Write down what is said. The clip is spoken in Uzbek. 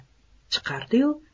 chiqardi yu